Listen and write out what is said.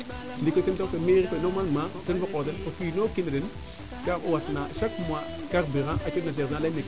ndiki koy ten taxu koy mairie normalement den fa qoox den o kino kiin na den ka war'u watna chaque mois carburant a cooxna sergent a leyne